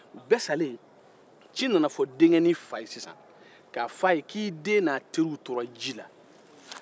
u bɛɛ salen ci nana fɔ denkɛnin fa ye k'a den n'a tɔɲɔgɔnw tora ji la